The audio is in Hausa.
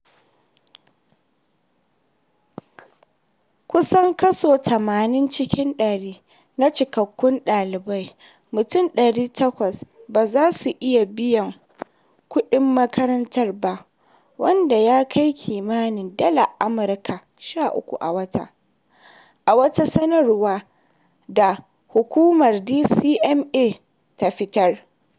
Kusan kaso 70 cikin ɗari na cikakkun ɗalibai mutum 800 ba za su iya biyan kuɗin makaranta ba, wanda ya kai kimanin dalar Amurka $13 a wata, a wata sanarwa da hukumar DCMA ta fitar.